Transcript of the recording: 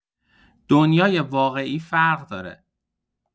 دنیای واقعی فرق داره